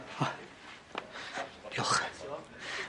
O. Diolch.